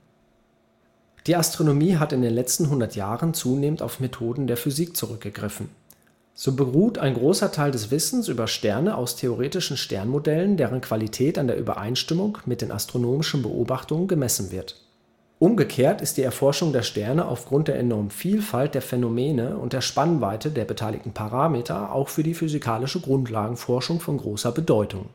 Die Astronomie hat in den letzten hundert Jahren zunehmend auf Methoden der Physik zurückgegriffen. So beruht ein großer Teil des Wissens über Sterne aus theoretischen Sternmodellen, deren Qualität an der Übereinstimmung mit den astronomischen Beobachtungen gemessen wird. Umgekehrt ist die Erforschung der Sterne aufgrund der enormen Vielfalt der Phänomene und der Spannweite der beteiligten Parameter auch für die physikalische Grundlagenforschung von großer Bedeutung